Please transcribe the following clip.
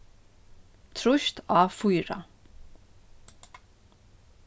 trýst á fýra